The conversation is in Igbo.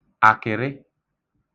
àkị̀rị